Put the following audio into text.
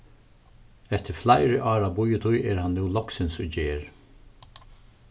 eftir fleiri ára bíðitíð er hann nú loksins í gerð